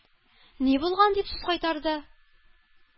-ни булган?-дип сүз кайтарды.